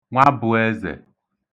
Nwabụ̄ēzè